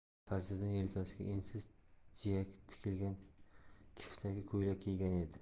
mulla fazliddin yelkasiga ensiz jiyak tikilgan kiftaki ko'ylak kiygan edi